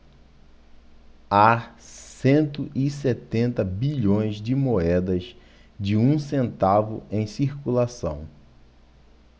há cento e setenta bilhões de moedas de um centavo em circulação